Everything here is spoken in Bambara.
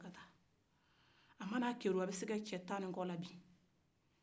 repetition